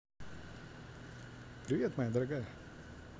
привет моя дорогая